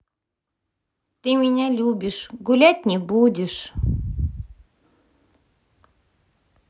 ты меня любишь гулять не будешь